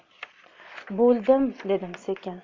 bo'ldim dedim sekin